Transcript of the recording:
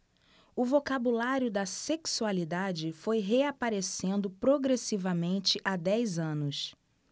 o vocabulário da sexualidade foi reaparecendo progressivamente há dez anos